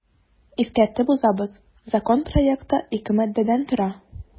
Искәртеп узабыз, закон проекты ике маддәдән тора.